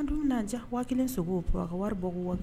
N dun b'i na n diya 5000 sogo. Papa ka wari bɔ ko wa